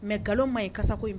Mɛ nkalon ma ye ka in